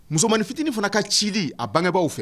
Musomanin fitinin fana ka cili a bangebaw fɛ